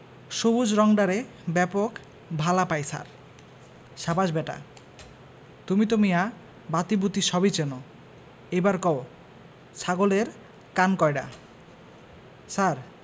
সবুজ রংডারে ব্যাপক ভালা পাই ছার সাব্বাস ব্যাটা তুমি তো মিয়া বাতিবুতি সবই চেনো এইবার কও ছাগলের কান কয়ডা ছার